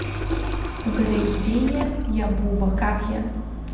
угадай где я я буба как я